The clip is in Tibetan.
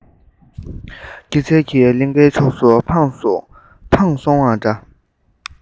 སྐྱེད ཚལ གྱི གླིང གའི ཕྱོགས སུ འཕངས སོང བ འདྲ